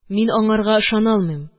Мин аңарга ышана алмыйм.